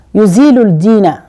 N'i' d na